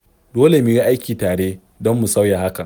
Dole mu yi aiki tare don mu sauya hakan!